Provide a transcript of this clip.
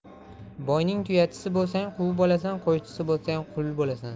boyning tuyachisi bo'lsang quv bo'lasan qo'ychisi bo'lsang qui bo'lasan